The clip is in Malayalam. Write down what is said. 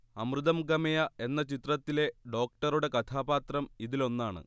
അമൃതം ഗമയ എന്ന ചിത്രത്തിലെ ഡോക്ടറുടെ കഥാപാത്രം ഇതിലൊന്നാണ്